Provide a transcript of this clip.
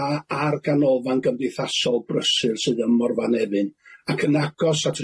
a a'r ganolfan gymdeithasol brysur sydd yn Morfa Nefyn ac yn agos at